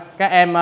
các em